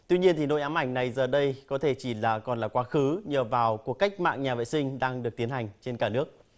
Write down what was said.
tuy nhiên thì nỗi ám ảnh này giờ đây có thể chỉ là còn là quá khứ nhờ vào cuộc cách mạng nhà vệ sinh đang được tiến hành trên cả nước